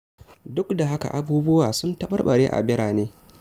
Duk da haka, abubuwa sun taɓarɓare a birane.